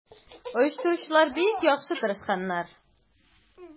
Оештыручылар бик яхшы тырышканнар.